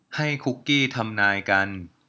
ให้คุกกี้ทำนายกัน